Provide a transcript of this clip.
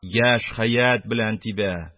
Яшь хәят белән тибә